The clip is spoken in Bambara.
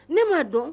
Ne m'a dɔn